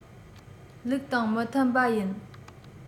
ལུགས དང མི མཐུན པ ཡིན